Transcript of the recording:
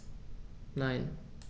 Nein.